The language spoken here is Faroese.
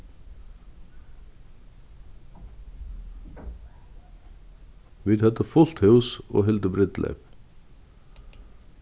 vit høvdu fult hús og hildu brúdleyp